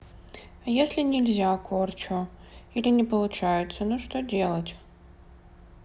а если нельзя корчу или не получается ну что делать